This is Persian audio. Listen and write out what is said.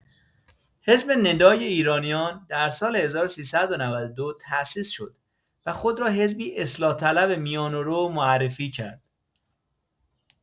حزب ندای ایرانیان در سال ۱۳۹۲ تأسیس شد و خود را حزبی اصلاح‌طلب میانه‌رو معرفی کرد.